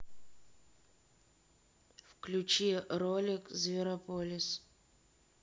включи ролик зверополис